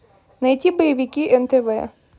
найти боевики нтв